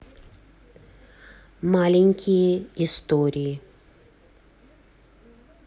маленькие истории